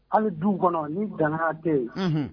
Hali duw kɔnɔ ni danaya tɛ yen